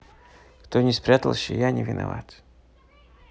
кто не спрятался я не виноват